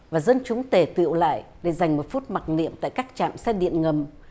và dân chúng tề tựu lại để dành một phút mặc niệm tại các trạm xe điện ngầm